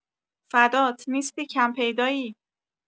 فدات نیستی کم پیدایی